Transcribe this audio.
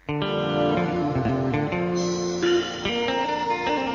San